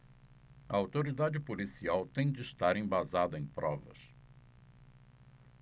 a autoridade policial tem de estar embasada em provas